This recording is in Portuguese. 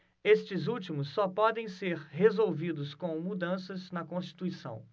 estes últimos só podem ser resolvidos com mudanças na constituição